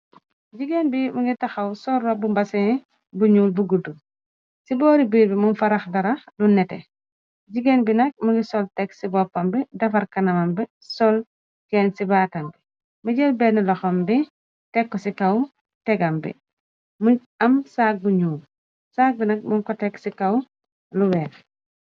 Jigéen bi mungi taxaw sol robu mbazen bu ñuul bu guddu ci boori biir bi mun faa rax darax lu nete jigéen bi nag mungi sol tek ci boppam bi defar kanamam bi sol chain ci baatam bi mo jeel benna loxam bi tekko ci kaw tekgam bi am saag bu ñuul saag bi nag mun ko teg ci kaw lu weex.